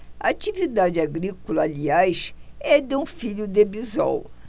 a atividade agrícola aliás é de um filho de bisol